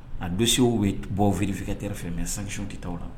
A donsow bɛ bɔ feere fi katɛ fɛ mɛ sansiw tɛ' la